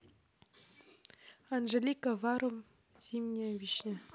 анжелика варум зимняя вишня